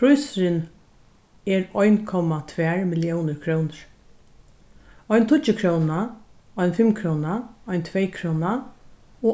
prísurin er ein komma tvær milliónir krónur ein tíggjukróna ein fimmkróna ein tveykróna